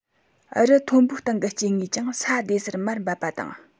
རི མཐོན པོའི སྟེང གི སྐྱེ དངོས ཀྱང ས བདེ སར མར འབབ པ དང